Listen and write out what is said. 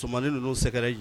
Camanin ninun sɛgɛrɛ.